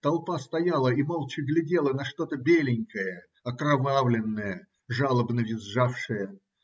Толпа стояла и молча глядела на что-то беленькое, окровавленное, жалобно визжавшее.